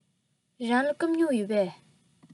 རང ལ སྐམ སྨྱུག ཡོད པས